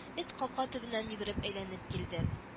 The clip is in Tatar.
Эт капка төбеннән йөгереп әйләнеп килде